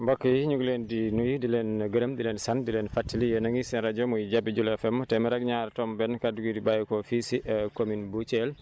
mbokk yiñu ngi leen di nuyu di leen gërëm di leen sant di leen fàttali yéen a ngi seen rajo muy Jabi jula FM téeméer ak ñaar tomb benn kàddu gi di bàyyeekoo fii si commune bu Thiel